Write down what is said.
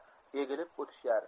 egilib o'tishar